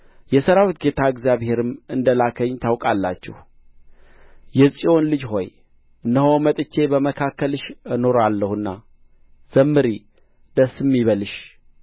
የሠራዊት ጌታ እግዚአብሔርም እንደ ላከኝ ታውቃላችሁ የጽዮን ልጅ ሆይ እነሆ መጥቼ በመካከልሽ እኖራለሁና ዘምሪ ደስም ይበልሽ